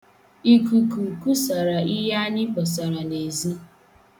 Ikuku kusara ihe anyị kpọsara n'ezi.